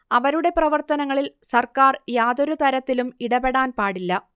അവരുടെ പ്രവർത്തനങ്ങളിൽ സർക്കാർ യാതൊരു തരത്തിലും ഇടപെടാൻ പാടില്ല